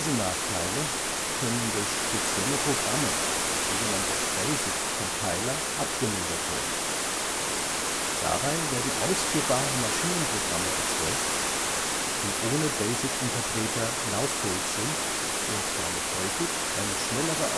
Nachteile können durch spezielle Programme, BASIC-Compiler, abgemildert werden. Dabei werden ausführbare Maschinenprogramme erzeugt, die ohne BASIC-Interpreter lauffähig sind und damit häufig eine schnellere